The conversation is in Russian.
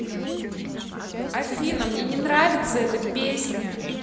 афина мне не нравится эта песня